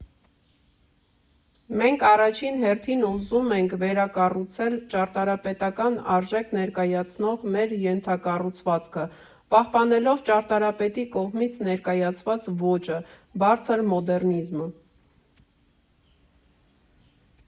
Մենք առաջին հերթին ուզում ենք վերակառուցել ճարտարապետական արժեք ներկայացնող մեր ենթակառուցվածքը՝ պահպանելով ճարտարապետի կողմից ներկայացված ոճը՝ բարձր մոդեռնիզմը։